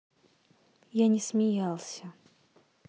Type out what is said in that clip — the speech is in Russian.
я не смеялся